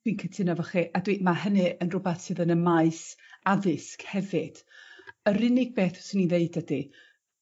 Fi'n cytuno efo chi a dwi... Ma' hynny yn rhwbath sydd yn y maes addysg hefyd. Yr unig beth swn i'n deud ydi